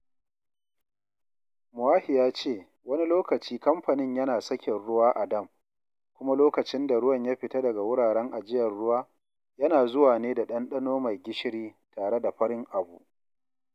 Moahi ya ce wani lokaci kamfanin yana sakin ruwa a dam, kuma lokacin da ruwan ya fita daga wuraren ajiyar ruwa, yana zuwa ne da ɗanɗano mai gishiri tare da farin abu.